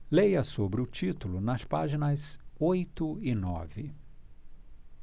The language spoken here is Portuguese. leia sobre o título nas páginas oito e nove